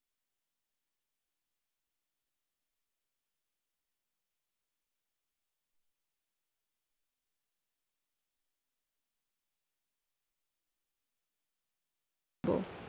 ওরাও আমাদের জানে অবশ্য আমরা আরও যে কদিন অনুশীলনের সুযোগ পাব এই দিনগুলো আমাদের জন্য খুবই গুরুত্বপূর্ণ আশা করব এই কদিনে আমরা দারুণ একটা প্রস্তুতি নিতে পারব